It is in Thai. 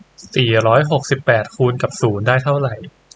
สี่ร้อยหกสิบแปดคูณกับศูนย์ได้เท่าไร